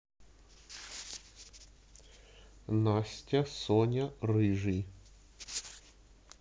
настя соня рыжий